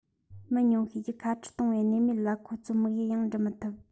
མི ཉུང ཤོས ཀྱིས ཁ བྲལ གཏོང སའི གནས མེད ལ ཁོ ཚོའི དམིགས ཡུལ ཡང འགྲུབ མི ཐུབ